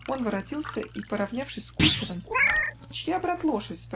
Он воротился и, поравнявшись с кучером: "Чья, брат, лошадь?